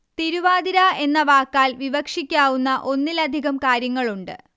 തിരുവാതിര എന്ന വാക്കാൽ വിവക്ഷിക്കാവുന്ന ഒന്നിലധികം കാര്യങ്ങളുണ്ട്